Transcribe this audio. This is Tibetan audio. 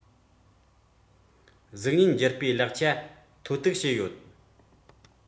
གཟུགས བརྙན རྒྱུ སྤུས ལེགས ཆ ཐོ གཏུག བྱེད ཡོད